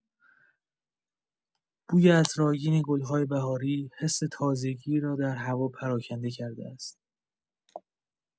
بوی عطرآگین گل‌های بهاری، حس تازگی را در هوا پراکنده کرده است.